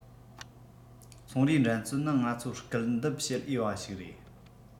ཚོང རའི འགྲན རྩོད ནི ང ཚོ སྐུལ འདེབས བྱེད འོས པ ཞིག རེད